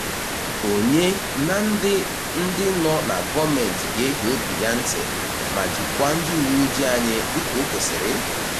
Ònyé ná ndị ndị nọ na gọọmentị ga-ege obi ya ntị ma jikwaa ndị ụwe ojii anyị dịka o kwesiri?